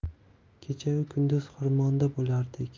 kechayu kunduz xirmonda bo'lardik